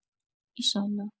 ایشالا